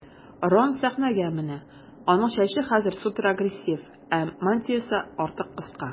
Рон сәхнәгә менә, аның чәче хәзер суперагрессив, ә мантиясе артык кыска.